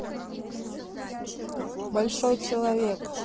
большой человек